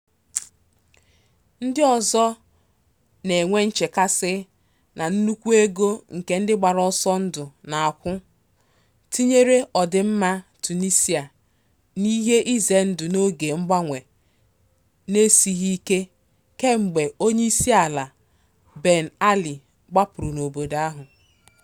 Ndị ọzọ na-enwe nchekasị na nnukwu ego nke ndị gbara ọsọ ndụ na-akwụ tinyere ọdịmma Tunisia n'ihe ize ndụ n'oge mgbanwe n'esighị ike kemgbe Onyeisiala Ben Ali gbapụrụ n'obodo ahụ.